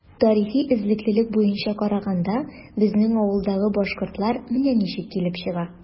Тарихи эзлеклелек буенча караганда, безнең авылдагы “башкортлар” менә ничек килеп чыга.